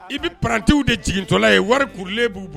I bɛ paratew de jiginigin tɔla ye wari kurulen b'u bolo